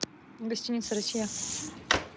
гостиница россия